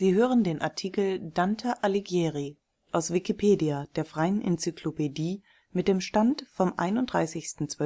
hören den Artikel Dante Alighieri, aus Wikipedia, der freien Enzyklopädie. Mit dem Stand vom